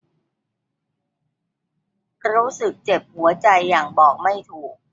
รู้สึกเจ็บหัวใจอย่างบอกไม่ถูก